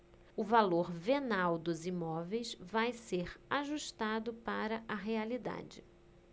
o valor venal dos imóveis vai ser ajustado para a realidade